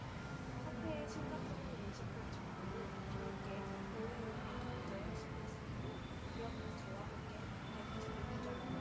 사태의 심각성을 인식한 정부는 뒤늦게 올해 우리 경제 핵심 리스크로 기업부채와 함께 가계부채를 규정했다